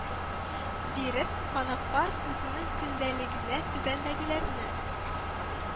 Биреп, бонапарт үзенең көндәлегенә түбәндәгеләрне